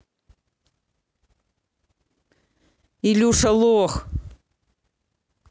илюша лох